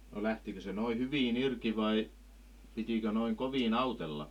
no lähtikö se noin hyvin irti vai pitikö noin kovin autella